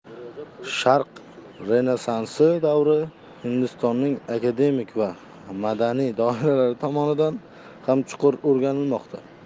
sharq renessansi davri hindistonning akademik va madaniy doiralari tomonidan ham chuqur o'rganilmoqda